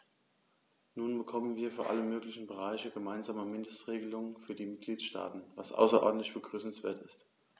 Nun bekommen wir für alle möglichen Bereiche gemeinsame Mindestregelungen für die Mitgliedstaaten, was außerordentlich begrüßenswert ist.